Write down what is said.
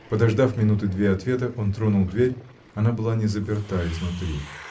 Подождав минуты две ответа, он тронул дверь: она была не заперта изнутри.